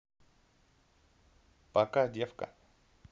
пока девка